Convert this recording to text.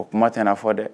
O kuma tɛ n' fɔ dɛ